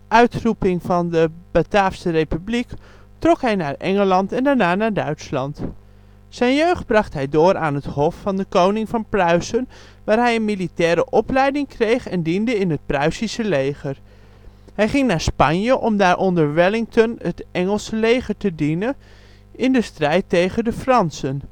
uitroeping van de Bataafse Republiek, trok hij naar Engeland en daarna naar Duitsland. Zijn jeugd bracht hij door aan het hof van de koning van Pruisen waar hij een militaire opleiding kreeg en diende in het Pruisische leger. Hij ging naar Spanje om daar onder Wellington het Engelse leger te dienen in de strijd tegen de Fransen